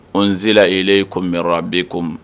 O n z e ko mɛnruya bɛko ma